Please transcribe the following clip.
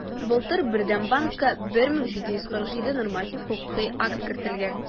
Былтыр Бердәм банкка 1747 норматив хокукый акт кертелгән.